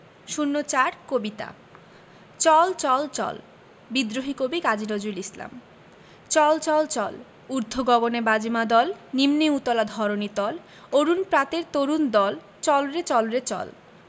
০৪ কবিতা চল চল চল বিদ্রোহী কবি কাজী নজরুল ইসলাম চল চল চল ঊর্ধ্ব গগনে বাজে মাদল নিম্নে উতলা ধরণি তল অরুণ প্রাতের তরুণ দল চল রে চল রে চল